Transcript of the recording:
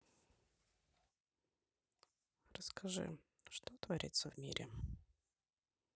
расскажи что творится в мире